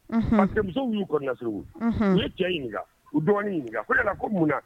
Masakɛmuso y'u kɔnɔnanasiriku u ye cɛ ɲininka u dɔgɔnin ɲininka ko mun